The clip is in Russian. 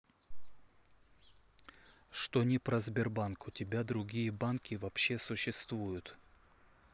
что не про сбербанк у тебя другие банки вообще существуют